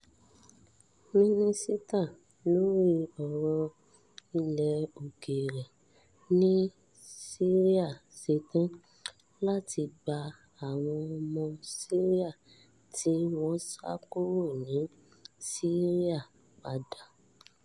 Mínísítà loŕi ọ̀rọ̀ ilẹ̀-òkèèrè ní Syria ‘setán’ láti gba àwọn ọmọ Syria tí wọ́n sá kúrò ní Syria padà